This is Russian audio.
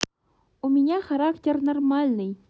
у меня характер нармальный